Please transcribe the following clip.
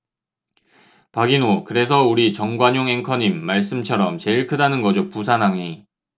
박인호 그래서 우리 정관용 앵커님 말씀처럼 제일 크다는 거죠 부산항이